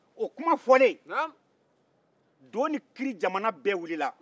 o kuma fɔlen do ni kri jamana bɛɛ wilila